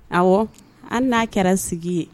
Ɔwɔ hali n'a kɛra sigi ye.